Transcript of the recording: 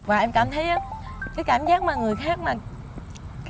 và em cảm thấy cái cảm giác mà người khác mà